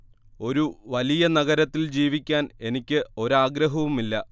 ഒരു വലിയ നഗരത്തിൽ ജീവിക്കാൻ എനിക്ക് ഒരാഗ്രഹവുമില്ല